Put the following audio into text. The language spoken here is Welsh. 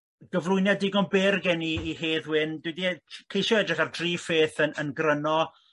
gyflwyniad digon byr gen i i Hedd Wyn dwi 'di ceisio edrych ar dri pheth yn yn gryno